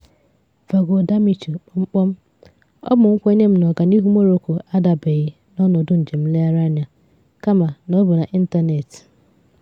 [Vago Damitio:] Ọ bụ nkwenye m na ọganịhụ Morocco adabeghị n'ọnọdụ njem nlehgarị anya kama na ọ bụ n'ịntaneti.